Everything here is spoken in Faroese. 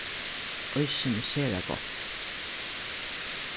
eisini sera gott